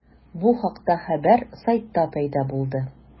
Бу хакта хәбәр сайтта пәйда булды.